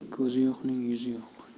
ko'zi yo'qning yuzi yo'q